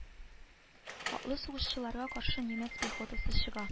Атлы сугышчыларга каршы немец пехотасы чыга